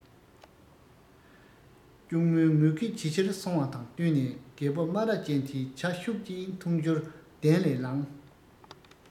གཅུང མོའི ངུ སྐད ཇེ ཆེར སོང བ དང བསྟུན ནས རྒད པོ སྨ ར ཅན དེས ཇ ཤུགས ཀྱིས འཐུང ཞོར གདན ལས ལངས